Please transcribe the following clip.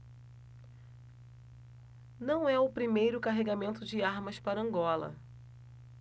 não é o primeiro carregamento de armas para angola